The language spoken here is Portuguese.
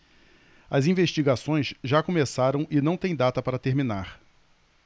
as investigações já começaram e não têm data para terminar